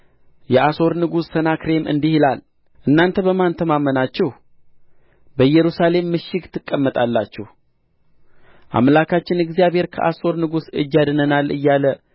የአሦር ንጉሥ ሰናክሬም እንዲህ ይላል እናንተ በማን ተማምናችሁ በኢየሩሳሌም ምሽግ ትቀመጣላችሁ አምላካችን እግዚአብሔር ከአሦር ንጉሥ እጅ ያድነናል እያለ